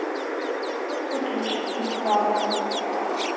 как выключить приставку